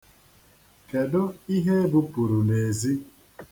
Kedu ihe e bupụrụ n'ezi?